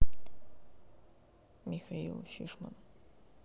михаил фишман